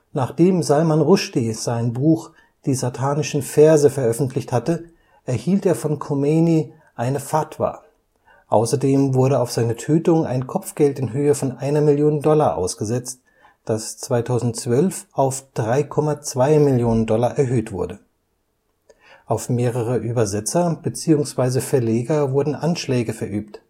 Nachdem Salman Rushdie sein Buch Die satanischen Verse veröffentlicht hatte, erhielt er von Khomeini eine Fatwa, außerdem wurde auf seine Tötung ein Kopfgeld in Höhe von 1 Million $ ausgesetzt, das 2012 auf 3,2 Millionen $ erhöht wurde. Auf mehrere Übersetzer bzw. Verleger wurden Anschläge verübt